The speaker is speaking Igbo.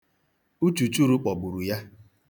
Uchùchurū kpọgburu ya.